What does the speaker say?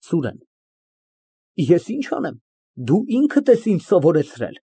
ՍՈՒՐԵՆ ֊ Ես ինչ անեմ, դու ինքդ ես ինձ սովորեցրել։